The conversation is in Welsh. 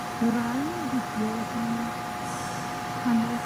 Yr ail fideo ydi hanes...